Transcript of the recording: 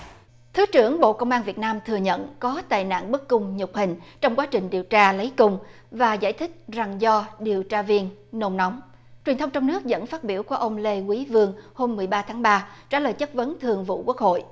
thứ trưởng bộ công an việt nam thừa nhận có tệ nạn bức cung nhục hình trong quá trình điều tra lấy cung và giải thích rằng do điều tra viên nôn nóng truyền thông trong nước dẫn phát biểu của ông lê quý vương hôm mười ba tháng ba trả lời chất vấn thường vụ quốc hội